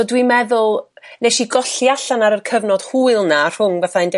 so dwi'n meddwl 'nes i golli allan ar yr cyfnod hwyl 'na rhwng fatha un deg